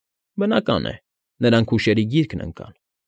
Բնական է, նրանք հուշերի գիրկն ընկան։